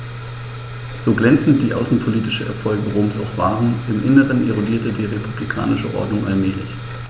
So glänzend die außenpolitischen Erfolge Roms auch waren: Im Inneren erodierte die republikanische Ordnung allmählich.